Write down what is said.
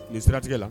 Nin siratigɛ la